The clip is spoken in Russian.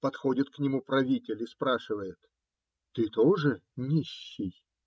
Подходит к нему правитель и спрашивает: - Ты тоже нищий?